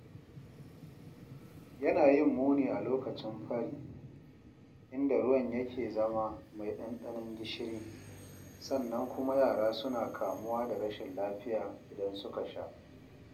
Yana yin muni a lokacin fari; inda ruwan yake zama mai ɗanɗanon gishiri, sannan kuma yara suna kamuwa da rashin lafiya idan suka sha.